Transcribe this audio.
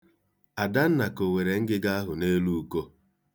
Adanna kowere ngịga ahụ n'elu uko.